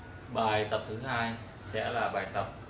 bài tập thứ hai là sẽ là